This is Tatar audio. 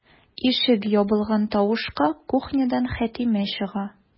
Ишек ябылган тавышка кухнядан Хәтимә чыга.